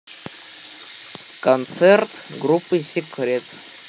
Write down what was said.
концерт группы секрет